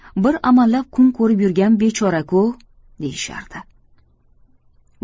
bir amallab kun ko'rib yurgan bechora ku deyishardi